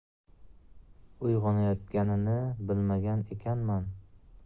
uyg'onayotganini bilmagan ekanman